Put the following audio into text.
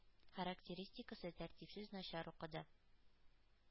Характеристикасы ”тәртипсез, начар укыды,